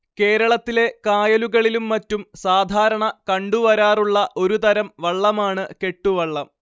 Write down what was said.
കേരളത്തിലെ കായലുകളിലും മറ്റും സാധാരണ കണ്ടുവരാറുള്ള ഒരു തരം വള്ളമാണ് കെട്ടുവള്ളം